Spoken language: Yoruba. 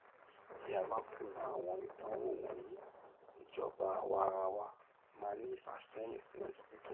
Tí a bá kùnà àwọn ìdánwò wọ̀nyẹn, ìjọba àwaarawa máa ní ìfàṣẹ́yìn fún ọjọ́ pípẹ́.